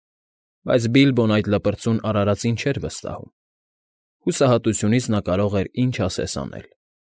Բայց Բիլբոն այդ լպրծուն արարածին չէր վստահում. հուսահատությունից նա կարող էր ինչ ասես անել։